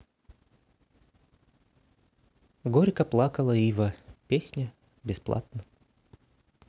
горько плакала ива песня бесплатно